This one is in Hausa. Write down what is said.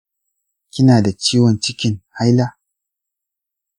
kina da ciwon cikin haila?